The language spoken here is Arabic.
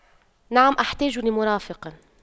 نعم احتاج لمرافق